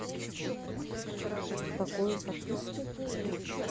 такое подписки